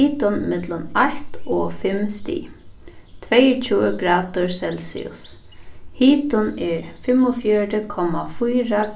hitin millum eitt og fimm stig tveyogtjúgu gradir celsius hitin er fimmogfjøruti komma fýra